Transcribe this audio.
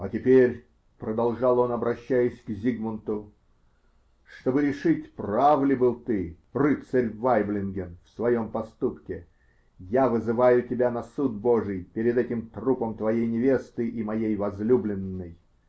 -- А теперь, -- продолжал он, обращаясь к Зигмунту, -- чтобы решить, прав ли был ты, рыцарь Вайблинген, в своем поступке, я вызываю тебя на суд Божий перед этим трупом твоей невесты и моей возлюбленной.